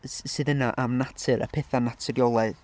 s- sydd yna am natur a pethau naturiolaidd?